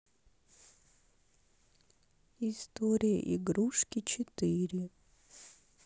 история игрушки четыре